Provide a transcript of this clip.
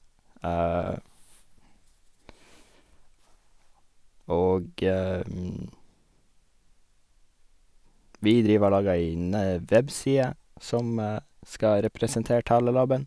Og vi driver og lager en web-side som skal representere tale-laben.